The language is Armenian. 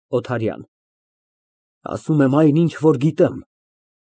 ՕԹԱՐՅԱՆ ֊ Ասում եմ այն, ինչ որ գիտեմ։